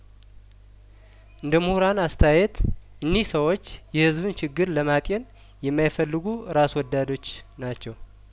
እንደ ምሁራን አስተያየት እኒህ ሰዎች የህዝብን ችግር ለማጤን የማይፈልጉ ራስ ወዳዶች ናቸው